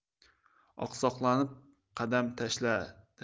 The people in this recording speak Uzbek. oqsoqlanib qadam tashlaydi